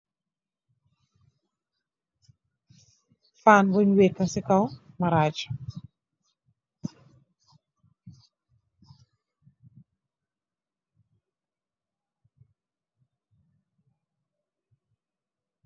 Fan buñ wekka ci kaw maraj.